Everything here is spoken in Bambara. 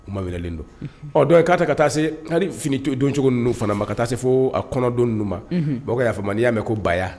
Kuma wuyalen don ɔ donc k'a ta ka taa se hali fini doncogo ninnu fana ma ka taa se fo a kɔnɔdon ninnu ma, unhun, aw ka yafa'n ma n'i y'a mɛn ko baya!